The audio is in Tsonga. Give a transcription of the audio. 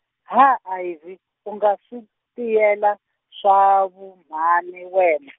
ha Ivy u nga swi tiyela, swa Vhumani wena?